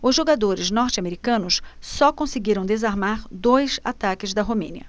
os jogadores norte-americanos só conseguiram desarmar dois ataques da romênia